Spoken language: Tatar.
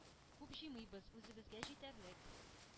Күп җыймыйбыз: үзебезгә җитәрлек